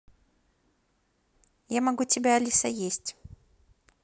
я могу тебя алиса есть